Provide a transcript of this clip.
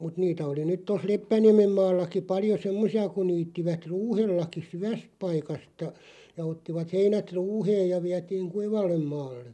mutta niitä oli nyt tuossa Leppäniemen maallakin paljon semmoisia kun niittivät ruuhellakin syvästä paikasta ja ottivat heinät ruuheen ja vietiin kuivalle maalle